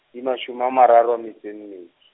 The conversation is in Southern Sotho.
di mashome a mararo a metso ne .